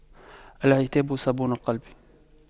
العتاب صابون القلب